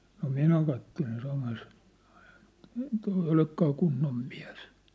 no minä katselen samassa tuo ei olekaan kunnon mies